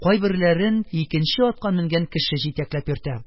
Кайберләрен икенче атка менгән кеше җитәкләп йөртә...